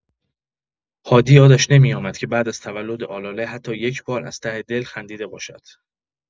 هادی یادش نمی‌آمد که بعد از تولد آلاله حتی یک‌بار از ته دل خندیده باشد.